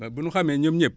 mais bu nu xamee ñoom ñépp